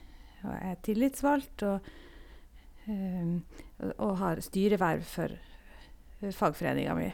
Og jeg er tillitsvalgt og og har styreverv for fagforeninga mi.